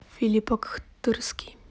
филипп ахтырский